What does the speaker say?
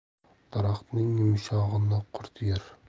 daraxtning yumshog'ini qurt yer